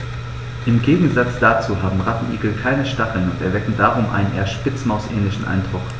Im Gegensatz dazu haben Rattenigel keine Stacheln und erwecken darum einen eher Spitzmaus-ähnlichen Eindruck.